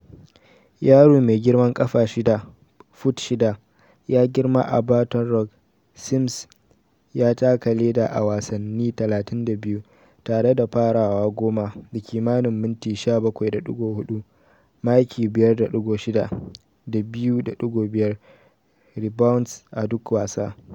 Yaro Mai girman ƙafa 6-foot-6 ya girma a Baton Rouge, Sims ya taka leda a wasanni 32 tare da farawa 10 da kimanin minti 17.4, maki 5.6 da 2.9 rebounds a duk wasa.